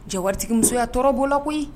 Jawatigi musoya tɔɔrɔ b' la koyi